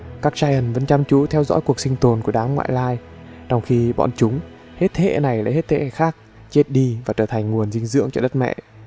các treant vẫn chăm chú dõi theo cuộc sinh tồn của đám ngoại lai trong khi bọn chúng hết thế hệ này đến thế hệ khác chết đi và trở thành nguồn dinh dưỡng cho đất mẹ